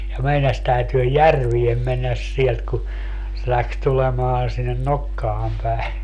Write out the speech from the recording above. ja meinasi täytyä järveen mennä sieltä kun se lähti tulemaan sinne nokkaan päin